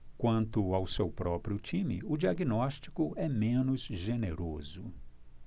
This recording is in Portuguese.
quanto ao seu próprio time o diagnóstico é menos generoso